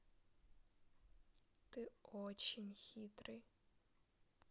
ты очень хитрый